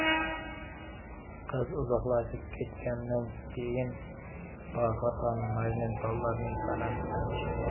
qiz uzoqlashib ketgandan keyin tohir ham majnuntollarning panasidan chiqdi